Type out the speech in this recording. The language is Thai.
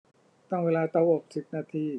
ตั้งเวลาเตาอบสิบนาที